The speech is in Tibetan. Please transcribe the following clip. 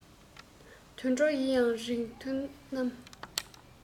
དུད འགྲོ ཡིན ཡང རིགས མཐུན རྣམས